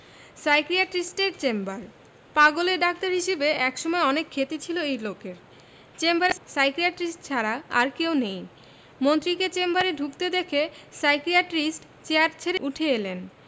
সাইকিয়াট্রিস্টের chamber পাগলের doctor হিসেবে একসময় অনেক খ্যাতি ছিল এই লোকের চেম্বারে সাইকিয়াট্রিস্ট ছাড়া আর কেউ নেই মন্ত্রীকে চেম্বারে ঢুকতে দেখে সাইকিয়াট্রিস্ট চেয়ার ছেড়ে উঠে এলেন